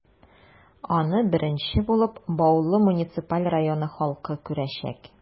Аны беренче булып, Баулы муниципаль районы халкы күрәчәк.